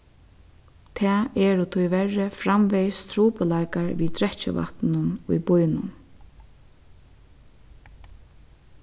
tað eru tíverri framvegis trupulleikar við drekkivatninum í býnum